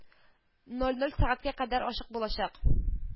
Ноль ноль сәгатькә кадәр ачык булачак